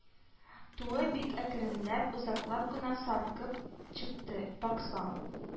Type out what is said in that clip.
Туы бик әкренләп, озаклап кына «саркып чыкты»: баксаң,